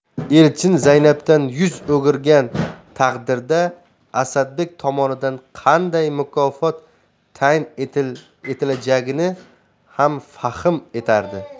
elchin zaynabdan yuz o'girgan taqdirda asadbek tomonidan qanday mukofot tayin etilajagini ham fahm etardi